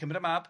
Cymryd y mab.